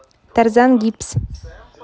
тарзан гипс